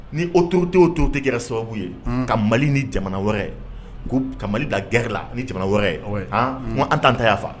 Ni to to o to tɛ kɛra sababu ye ka mali ni jamana wɛrɛ ka mali da gɛrɛla ni jamana wɛrɛ ye ko an tan ta y'a faga